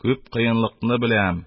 Күп кыенлыкны беләм,